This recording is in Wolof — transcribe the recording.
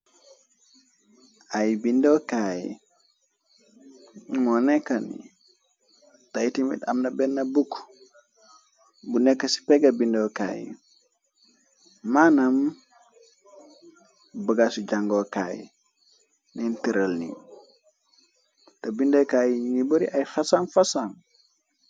Ay bindokaayi moo nekka ni tytami amna bena bukk bu nekk ci pega bindokaay yi maanam bagasu jangokaay neen tiral ni te bindakaayi nugi bari ay fasan fasaan.